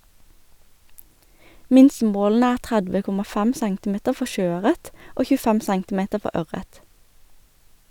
Minstemålene er 30,5 cm for sjøørret, og 25 cm for ørret.